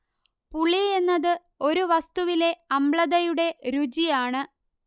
പുളി എന്നത് ഒരു വസ്തുവിലെ അമ്ളതയുടെ രുചി ആണ്